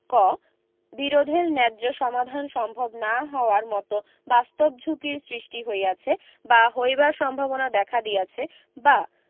ক বিরোধের ন্যায্য সমাধান সম্ভব না হওয়ার মত বাস্তব ঝুঁকির সৃষ্টি হইয়াছে বা হইবার সম্ভাবনা দেখা দিয়াছে বা